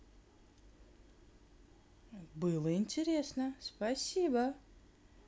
было интересно спасибо